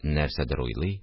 Нәрсәдер уйлый